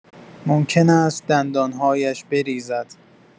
ممکن است دندان‌هایش بریزد.